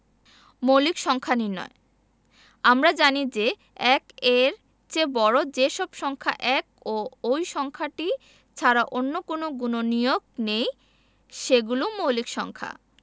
মৌলিক সংখ্যা নির্ণয় আমরা জানি যে ১-এর চেয়ে বড় যে সব সংখ্যা ১ ও সংখ্যাটি ছাড়া অন্য কোনো গুণনীয়ক নেই সেগুলো মৌলিক সংখ্যা